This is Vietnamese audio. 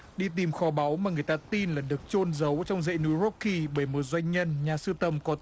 đi tìm kho báu mà người ta tin là được chôn giấu trong dãy núi róc ki bởi một doanh nhân nhà sưu tầm có